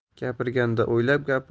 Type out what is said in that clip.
gapirganda o'ylab gapir